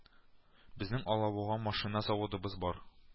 Безнең Алабуга машина заводыбыз бар